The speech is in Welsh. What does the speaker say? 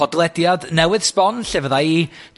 podlediad newydd sbon, lle fydda i